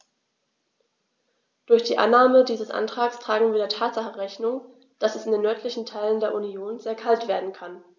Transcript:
Durch die Annahme dieses Antrags tragen wir der Tatsache Rechnung, dass es in den nördlichen Teilen der Union sehr kalt werden kann.